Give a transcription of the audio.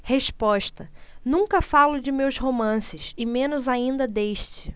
resposta nunca falo de meus romances e menos ainda deste